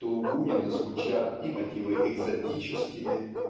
что у Бунина звучат и мотивы экзотические